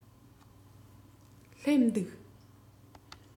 སླེབས འདུག